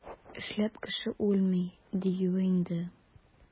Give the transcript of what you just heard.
Эшләп кеше үлми, диюе инде.